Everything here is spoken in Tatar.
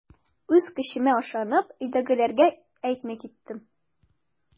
Үз көчемә ышанып, өйдәгеләргә әйтми киттем.